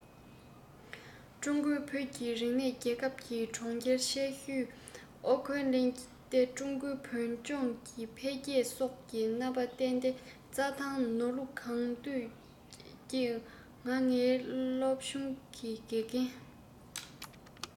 ཀྲུང གོའི བོད ཀྱི རིག གནས རྒྱལ ཁབ ཀྱི གྲོང ཁྱེར ཆེ ཤོས ཨའོ ཁོ ལན ཏི ཀྲུང གོའི བོད ལྗོངས ཀྱི འཕེལ རྒྱས སོགས ཀྱི རྣམ པ བསྟན ཏེ རྩ ཐང ནོར ལུག གང འདོད སྐྱིད ང ངའི སློབ ཆུང གི དགེ རྒན